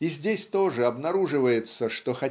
И здесь тоже обнаруживается что